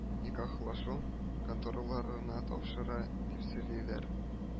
Никахлашу контораларына тапшыра дип сөйлиләр